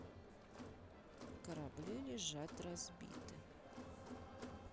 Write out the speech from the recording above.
корабли лежат разбиты